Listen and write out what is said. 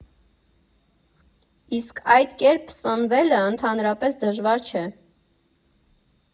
Իսկ այդ կերպ սնվելը ընդհանրապես դժվար չէ։